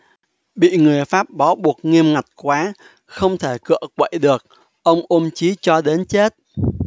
bị người pháp bó buộc nghiêm ngặt quá không thể cựa quậy được ông ôm chí cho đến chết